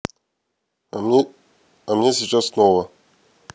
а мне сейчас снова